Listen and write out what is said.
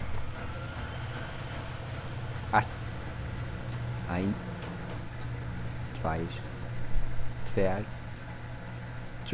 eitt ein tveir tvær